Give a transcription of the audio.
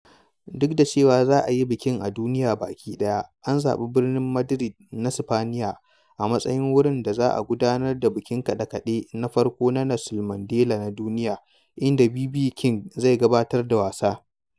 Duk da cewa za a yi bikin a duniya baki ɗaya, an zaɓi birnin Madrid na Sipaniya a matsayin wurin da za a gudanar da bikin kaɗe-kaɗe na farko na Nelson Mandela na duniya, inda BB King zai gabatar da wasa.